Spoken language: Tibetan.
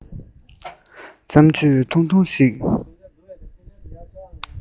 བཙམས ཆོས ཐུང ཐུང ཞིག